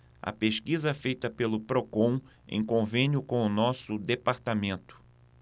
a pesquisa é feita pelo procon em convênio com o diese